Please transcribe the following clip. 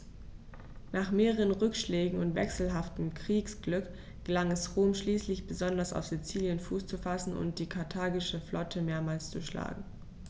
Nach mehreren Rückschlägen und wechselhaftem Kriegsglück gelang es Rom schließlich, besonders auf Sizilien Fuß zu fassen und die karthagische Flotte mehrmals zu schlagen.